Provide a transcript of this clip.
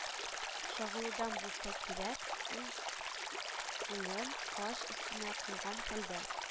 Чагылудан булса кирәк, уң кулын каш өстенә куйган хәлдә,